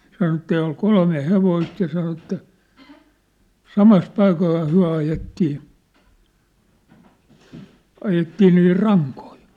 sanoi että oli kolme hevosta ja sanoi että samassa paikoissa he ajettiin ajettiin niin rankoja